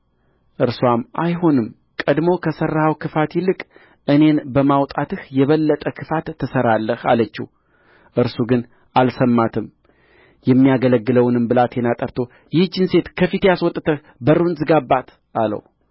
እርስዋም አይሆንም ቀድሞ ከሠራኸው ክፋት ይልቅ አኔን በማውጣትህ የበለጠ ክፋት ትሠራለህ አለችው እርሱ ግን አልሰማትም የሚያገለግለውንም ብላቴና ጠርቶ ይህችን ሴት ከፊቴ አስወጥተህ በሩን ዝጋባት አለው